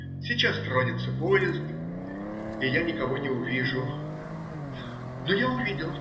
Сейчас тронется поезд, и я никого не увижу. Но я увидел.